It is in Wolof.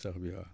sax bi waaw